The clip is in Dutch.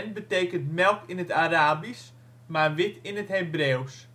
betekent " melk " in het Arabisch, maar " wit " in het Hebreeuws